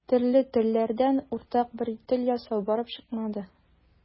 Төрле телләрдән уртак бер тел ясау барып чыкмады.